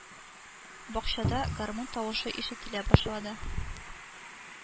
Бакчада гармун тавышы ишетелә башлады